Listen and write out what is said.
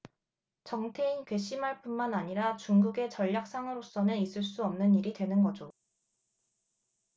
정태인 괘씸할 뿐만 아니라 중국의 전략상으로서는 있을 수 없는 일이 되는 거죠